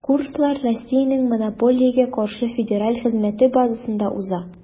Курслар Россиянең Монополиягә каршы федераль хезмәте базасында уза.